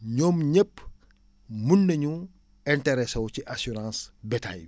ñoom ñëpp mun nañu interessé wu ci assurance bétail bi